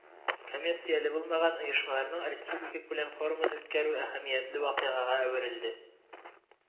Коммерцияле булмаган оешмаларның республикакүләм форумын үткәрү әһәмиятле вакыйгага әверелде